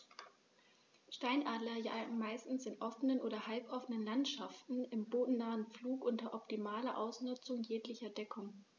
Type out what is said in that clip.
Steinadler jagen meist in offenen oder halboffenen Landschaften im bodennahen Flug unter optimaler Ausnutzung jeglicher Deckung.